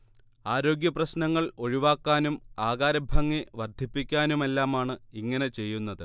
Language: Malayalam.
ആരോഗ്യപ്രശ്നങ്ങൾ ഒഴിവാക്കാനും ആകാരഭംഗി വർദ്ധിപ്പിക്കാനുമെല്ലാമാണ് ഇങ്ങനെ ചെയ്യുന്നത്